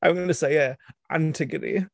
I'm going to say it Antigone.